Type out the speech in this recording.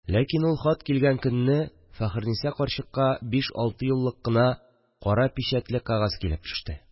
Ләкин ул хат килгән көнне Фәхерниса карчыкка биш-алты юллык кына кара пичәтле кәгазь килеп төште